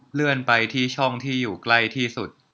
เลื่อนไปที่ช่องที่อยู่ใกล้ที่สุด